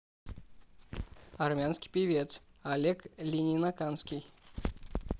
армянский певец олег ленинаканский